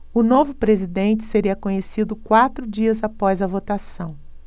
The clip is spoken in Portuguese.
o novo presidente seria conhecido quatro dias após a votação